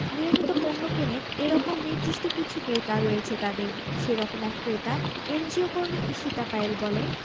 নিয়মিত পণ্য কেনেন এ রকম নির্দিষ্ট কিছু ক্রেতা রয়েছে তাঁদের সে রকম এক ক্রেতা এনজিওকর্মী ঈশিতা পায়েল বলেন